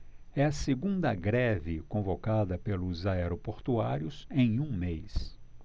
é a segunda greve convocada pelos aeroportuários em um mês